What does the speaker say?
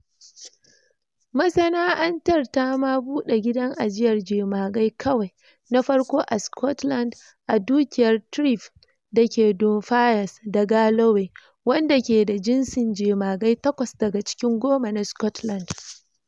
Masana’antar ta ma bude gidan ajiyar jemagai kawai na farko a Scotland a Dukiyar Threave dake Dumfires da Galloway, wanda ke da jinsi jemagai 8 daga cikin goma na Scotland.